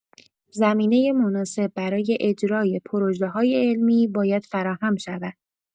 زمینه مناسب برای اجرای پروژه‌های علمی باید فراهم شود.